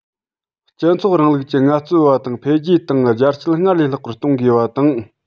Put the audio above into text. སྤྱི ཚོགས རིང ལུགས ཀྱི ངལ རྩོལ པ དང འཕེལ རྒྱས དང རྒྱ སྐྱེད སྔར ལས ལྷག པར གཏོང དགོས པ དང